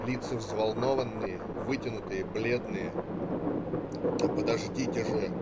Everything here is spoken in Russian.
Лица взволнованные, вытянутые, бледные. "Да подождите же!